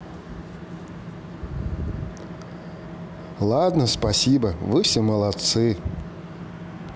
ладно спасибо вы все молодцы